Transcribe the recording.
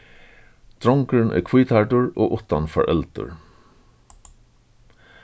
drongurin er hvíthærdur og uttan foreldur